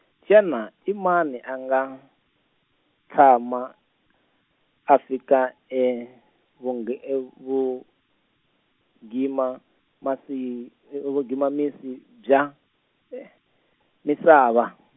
xana i mani a nga, tshama, a fika evungi- evugimamasi- evugimamusi bya , misava?